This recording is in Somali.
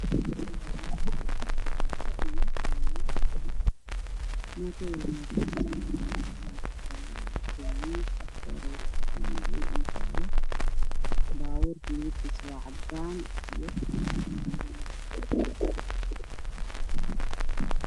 Waa laami waxaa maraayo bajaaj gaari bajaajta midig keedu waa guduud gaariga midabkiisa waa caddaan biro ayaa ka taagan waddada